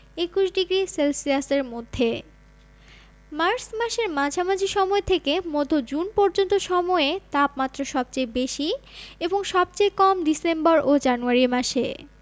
২১ডিগ্রি সেলসিয়াস এর মধ্যে মার্চ মাসের মাঝামাঝি সময় থেকে মধ্য জুন পর্যন্ত সময়ে তাপমাত্রা সবচেয়ে বেশি এবং সবচেয়ে কম ডিসেম্বর ও জানুয়ারী মাসে